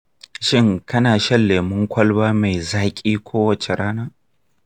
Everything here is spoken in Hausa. shin kana shan lemun kwalba mai zaƙi kowace rana?